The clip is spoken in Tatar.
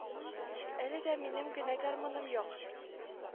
Әлегә минем генә гармуным юк